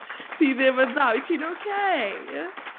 Ti ddim yn dda, wyt ti’n okay?